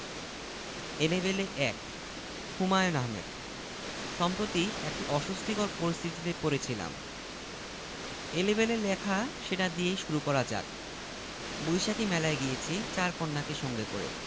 এক সময় এদের পিপাসা পেয়ে গেল চারজনের জন্যে চারটি কাঠি আইসক্রিম কেনা হল যে অস্বস্তিকর পরিস্থিতির কথা শুরুতে বলেছি সেটা শুরু হল তখন